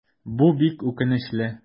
Бу бик үкенечле.